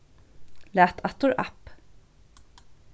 lat aftur app